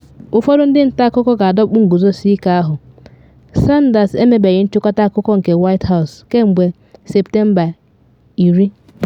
Ụfọdụ ndi nta akụkọ ga-adọkpụ ngozusike ahụ: Sanders emebeghị nchịkọta akụkọ nke White House kemgbe Septemba 10.